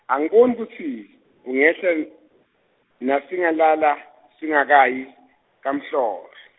angiboni tsi, bungehla n-, nasingalala, singakayi, kaMhlohlo.